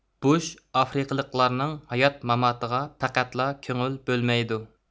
بۇش ئافرىقىلىقلارنىڭ ھايات ماماتىغا پەقەتلا كۆڭۈل بۆلمەيدۇ